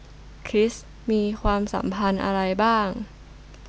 คริสมีความสัมพันธ์อะไรบ้าง